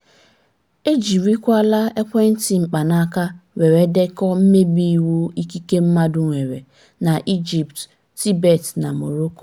Ejirikwala ekwentị mkpanaaka were dekọ mmebi iwu ikike mmadụ nwere, na Egypt, Tibet na Morocco.